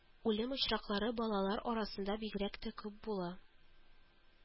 Үлем очраклары балалар арасында бигрәк тә күп була